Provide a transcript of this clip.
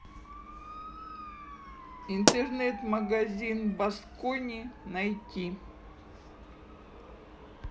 интернет магазин basconi найти